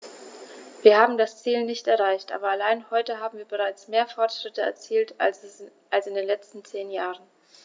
Wir haben das Ziel nicht erreicht, aber allein heute haben wir bereits mehr Fortschritte erzielt als in den letzten zehn Jahren.